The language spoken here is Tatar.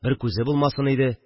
Бер күзе булмасын иде